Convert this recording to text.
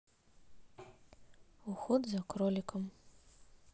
уход за кроликом